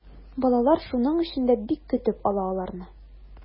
Балалар шуның өчен дә бик көтеп ала аларны.